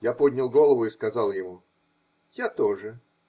Я поднял голову и сказал ему: -- Я тоже.